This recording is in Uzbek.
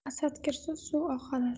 asad kirsa suv oqarar